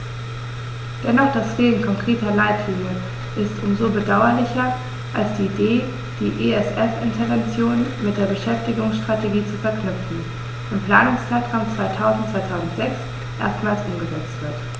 Doch das Fehlen konkreter Leitlinien ist um so bedauerlicher, als die Idee, die ESF-Interventionen mit der Beschäftigungsstrategie zu verknüpfen, im Planungszeitraum 2000-2006 erstmals umgesetzt wird.